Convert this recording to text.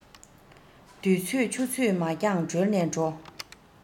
དུས ཚོད ཆུ ཚོད མ འགྱངས གྲོལ ནས འགྲོ